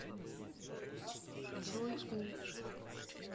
joy у